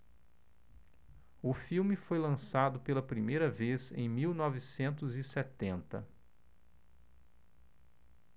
o filme foi lançado pela primeira vez em mil novecentos e setenta